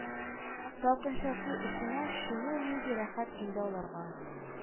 Салкынча су эченә чуму нинди рәхәт инде аларга